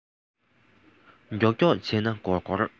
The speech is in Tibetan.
མགྱོགས མགྱོགས བྱས ན འགོར འགོར